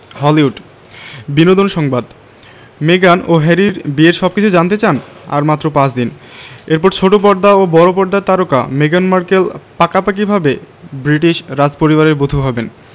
Hollywood বিনোদন সংবাদ মেগান ও হ্যারির বিয়ের সবকিছু জানতে চান আর মাত্র পাঁচ দিন এরপর ছোট পর্দা ও বড় পর্দার তারকা মেগান মার্কেল পাকাপাকিভাবে ব্রিটিশ রাজপরিবারের বধূ হবেন